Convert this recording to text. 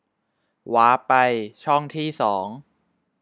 วาปไปช่องที่สอง